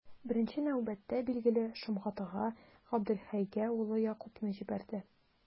Беренче нәүбәттә, билгеле, Шомгатыга, Габделхәйгә улы Якубны җибәрде.